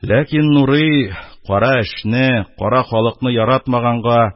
Ләкин Нурый, кара эшне, кара халыкны яратмаганга,